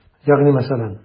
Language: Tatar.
Ягъни мәсәлән?